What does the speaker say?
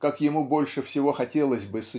как ему больше всего хотелось бы